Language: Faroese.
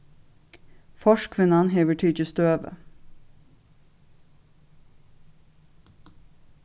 forkvinnan hevur tikið støðu